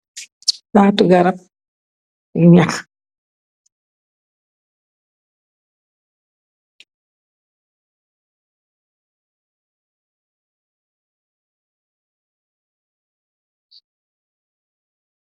Taatu garap yu nyax.